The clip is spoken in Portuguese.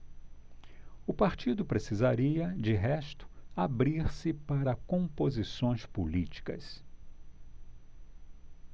o partido precisaria de resto abrir-se para composições políticas